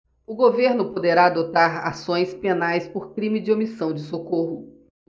o governo poderá adotar ações penais por crime de omissão de socorro